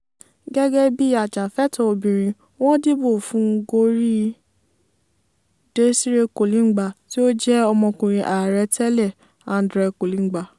Gẹ́gẹ́ bíi ajàfẹ́tọ̀ọ́ obìnrin, wọ́n dìbò fún un gorí Désiré Kolingba, tí ó jẹ́ ọmọkùnrin ààrẹ tẹ́lẹ̀, André Kolingba.